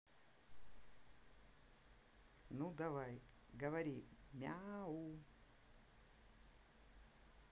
ну давай говори мяу